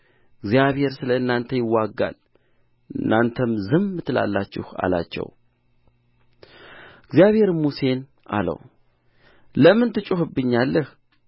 እግዚአብሔር ስለ እናንተ ይዋጋል እናንተም ዝም ትላላችሁ አላቸው እግዚአብሔርም ሙሴን አለው ለምን ትጮኽብኛለህ